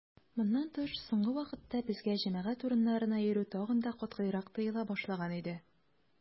Моннан тыш, соңгы вакытта безгә җәмәгать урыннарына йөрү тагын да катгыйрак тыела башлаган иде.